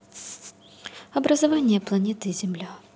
образование планеты земля